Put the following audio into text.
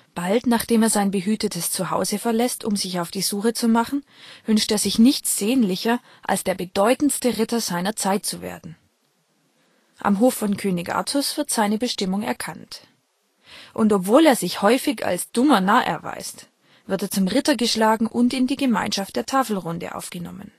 Bald nachdem er sein behütetes Zuhause verlässt, um sich auf die Suche zu machen, wünscht er sich nichts sehnlicher, als der bedeutendste Ritter seiner Zeit zu werden. Am Hof von König Artus wird seine Bestimmung erkannt, und obwohl er sich häufig als dummer Narr erweist, wird er zum Ritter geschlagen und in die Gemeinschaft der Tafelrunde aufgenommen